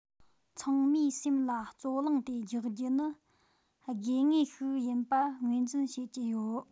ཚང མའི སེམས ལ རྩོད གླེང དེ རྒྱག རྒྱུ ནི དགོས ངེས ཤིག ཡིན པ ངོས འཛིན བྱེད ཀྱི ཡོད